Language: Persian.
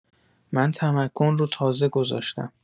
من تمکن رو تازه گذاشتم.